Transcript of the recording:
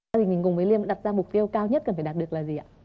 thì mình cùng với liêm đặt ra mục tiêu cao nhất cần phải đạt được là gì ạ